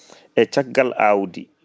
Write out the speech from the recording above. e caggal awdi